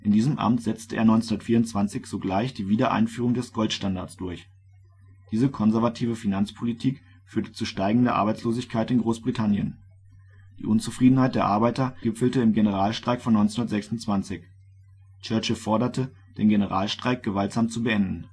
diesem Amt setzte er 1924 sogleich die Wiedereinführung des Goldstandards durch. Diese konservative Finanzpolitik führte zu steigender Arbeitslosigkeit in Großbritannien. Die Unzufriedenheit der Arbeiter gipfelte im Generalstreik von 1926. Churchill forderte, den Generalstreik gewaltsam zu beenden